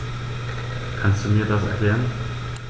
Kannst du mir das erklären?